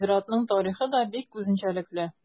Зиратның тарихы да бик үзенчәлекле.